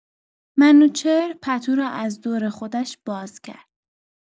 منوچهر پتو را از دور خودش باز کرد.